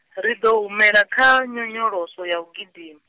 ri ḓo humela kha, nyonyoloso ya u gidima.